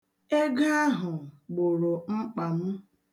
Ego ahụ gboro mkpa m.